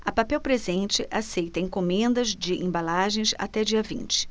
a papel presente aceita encomendas de embalagens até dia vinte